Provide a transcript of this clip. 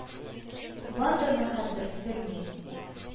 Бардырмы хәзер – белмим.